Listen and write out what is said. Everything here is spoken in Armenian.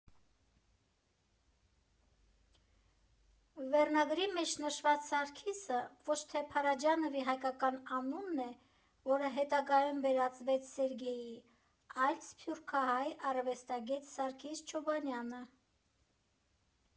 Վերնագրի մեջ նշված Սարգիսը ոչ թե Փարաջանովի հայկական անունն է (որը հետագայում վերածվեց Սերգեյի), այլ սփյուռքահայ արվեստագետ Սարգիս Չոբունյանը։